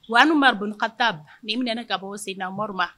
Wadkata ni minɛn ne ka bɔ sen amadu ma